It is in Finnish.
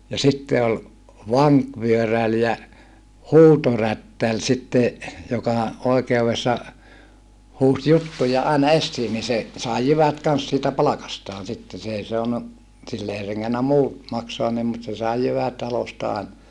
ja sitten oli vankivyöräri ja huutorättäri sitten joka oikeudessa huusi juttuja aina esiin niin se sai jyvät kanssa siitä palkastaan sitten se ei saanut sille ei rengännyt muu maksaa niin mutta se sai jyvät talosta aina